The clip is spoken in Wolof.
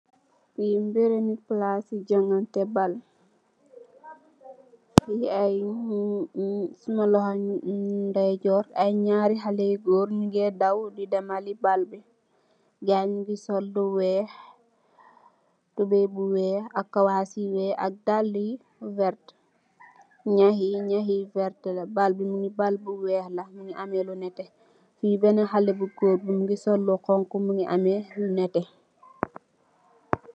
Fii mbirum palaas i jongante bal, Suma loxo ndeyjoor ,ay ñaari xalé yu goor ñu ngee daw di démal I bal bi gaay i ñu ngi sol tuboy bu weex, kawaas yu weex, dallë yu werta. Ñax yi yu werta la. Bal bi bal bu weex la, mu ngi amee lu nétte. Beenë xalé bu